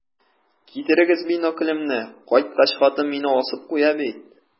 Китерегез биноклемне, кайткач, хатын мине асып куя бит.